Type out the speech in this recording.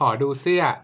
ขอดูเสื้อ